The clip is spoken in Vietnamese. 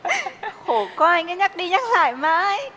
khổ quá anh cứ nhắc đi nhắc lại mãi